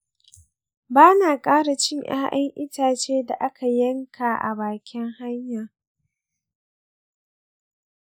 ba na ƙara cin ‘ya’yan itace da aka yanka a bakin hanya.